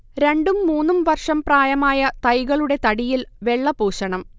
രണ്ടും മൂന്നും വർഷം പ്രായമായ തൈകളുടെ തടിയിൽ വെള്ള പൂശണം